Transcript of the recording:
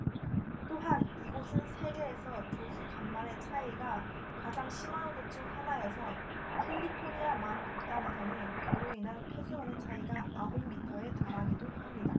또한 이곳은 세계에서 조수 간만의 차이가 가장 심한 곳 중 하나여서 캘리포니아 만 북단에서는 그로 인한 해수면의 차이가 아홉 미터에 달하기도 합니다